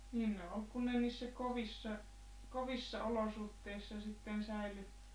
niin ne oli kun ne niissä kovissa kovissa olosuhteissa sitten säilyi